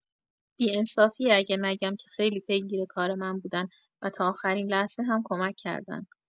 بی انصافیه اگه نگم که خیلی پیگیر کار من بودن و تا آخرین لحظه هم کمک کردن.